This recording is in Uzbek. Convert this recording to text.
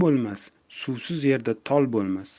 bo'lmas suvsiz yerda tol bo'lmas